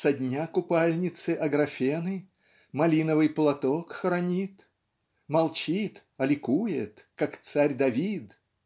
Со дня Купальницы-Аграфены Малиновый платок хранит Молчит а ликует как царь Давид.